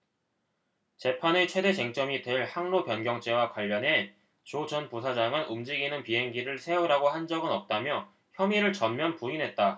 재판의 최대 쟁점이 될 항로변경죄와 관련해 조 전 부사장은 움직이는 비행기를 세우라고 한 적은 없다며 혐의를 전면 부인했다